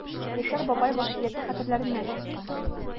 Яшәр бабай васыяте хәтерләреннән чыккан.